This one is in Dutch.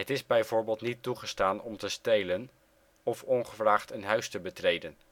is bijvoorbeeld niet toegestaan om te stelen, of ongevraagd een huis te betreden